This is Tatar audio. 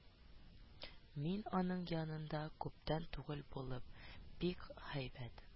Мин аның янында күптән түгел булып, бик һәйбәт